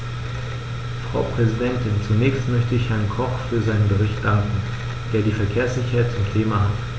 Frau Präsidentin, zunächst möchte ich Herrn Koch für seinen Bericht danken, der die Verkehrssicherheit zum Thema hat.